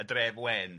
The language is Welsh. Y Dref Wen.